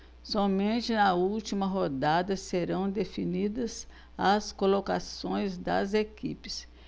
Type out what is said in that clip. somente na última rodada serão definidas as colocações das equipes